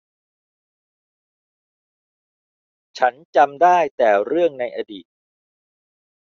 ฉันจำได้แต่เรื่องในอดีต